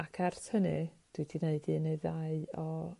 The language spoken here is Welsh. ac ers hynny dwi 'di neud un neu ddau o